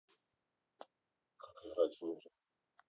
как играть в игры